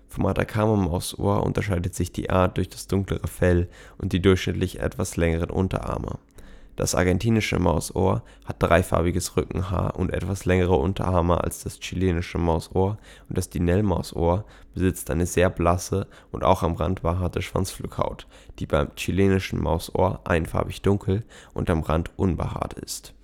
Vom Atacama-Mausohr unterscheidet sich die Art durch das dunklere Fell und die durchschnittlich etwas längeren Unterarme. Das Argentinische Mausohr hat dreifarbiges Rückenhaar und etwas längere Unterarme als das Chilenische Mausohr und das Dinnell-Mausohr besitzt eine sehr blasse und auch am Rand behaarte Schwanzflughaut, die beim Chilenischen Mausohr einfarbig dunkel und am Rand unbehaart ist